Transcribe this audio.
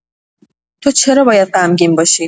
تو چرا باید غمگین باشی؟